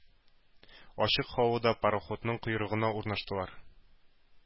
Ачык һавада, пароходның койрыгына урнаштылар.